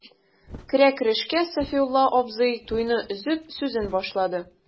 Керә-керешкә Сафиулла абзый, туйны өзеп, сүзен башлады.